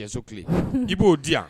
So tile i b'o di yan